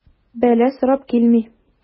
Бәла сорап килми.